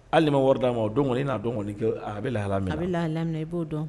Hali n'i ma wari d'an ma o don kɔni i n'a dɔn ko a bɛ lahala miin na a bɛ lahalamina i b'o dɔn.